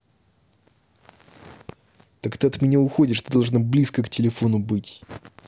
так ты от меня уходишь ты должна близко к телефону быть